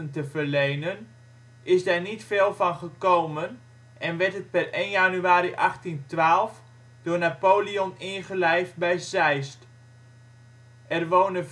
te verlenen, is daar niet veel van gekomen en werd het per 1 januari 1812 door Napoleon ingelijfd bij Zeist. Er wonen